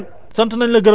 Mouhamed